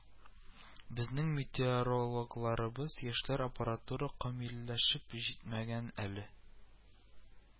Безнең метеорологларыбыз яшьләр, аппаратура камилләшеп җитмәгән әле